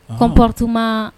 Kɔnmptuma